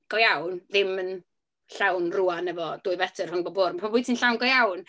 go iawn, ddim yn llawn rŵan, efo dwy fetr rhwng pob bwrdd, ond pan mae'r bwyty'n llawn go iawn...